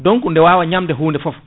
donc nde wawa ñamde hunde foof